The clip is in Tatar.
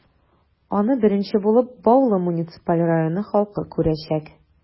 Аны беренче булып, Баулы муниципаль районы халкы күрәчәк.